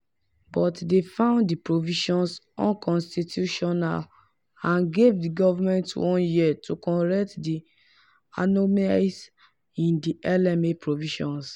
But they found the provisions unconstitutional and gave the government one year to correct the anomalies in the LMA provisions.